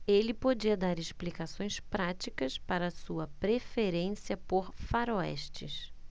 ele podia dar explicações práticas para sua preferência por faroestes